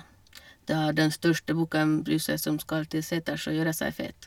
Det er den største bukken Bruse, som skal til seters og gjøre seg fet.